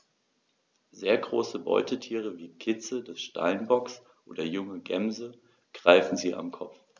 Sehr große Beutetiere wie Kitze des Steinbocks oder junge Gämsen greifen sie am Kopf.